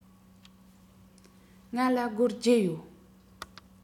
ང ལ སྒོར བརྒྱད ཡོད